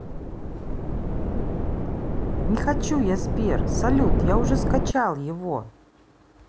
не хочу я сбер салют я уже скачал его